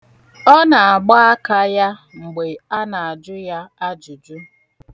Ọ na-agba aka ya mgbe a na-ajụ ya ajụjụ.